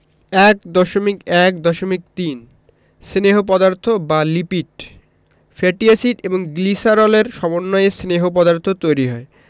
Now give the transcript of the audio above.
১.১.৩ স্নেহ পদার্থ বা লিপিড ফ্যাটি এসিড এবং গ্লিসারলের সমন্বয়ে স্নেহ পদার্থ তৈরি হয়